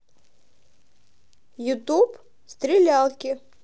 ютуб стрелялки